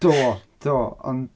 Do! Do, ond...